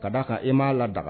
Ka da kan e ma ladaka.